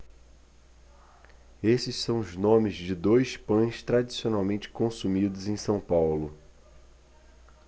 esses são os nomes de dois pães tradicionalmente consumidos em são paulo